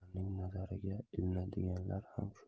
xotin qizlarning nazariga